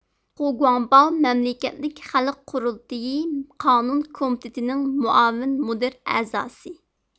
خۇ گۇاڭباۋ مەملىكەتلىك خەلق قۇرۇلتىيى قانۇن كومىتېتىنىڭ مۇئاۋىن مۇدىر ئەزاسى